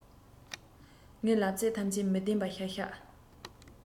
ངས ལབ ཚད ཐམས ཅད མི བདེན པ ཤག ཤག